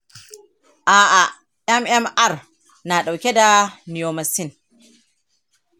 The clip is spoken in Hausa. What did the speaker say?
a'a, mmr na ɗauke da neomycin.